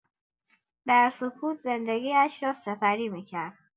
در سکوت زندگی‌اش را سپری می‌کرد.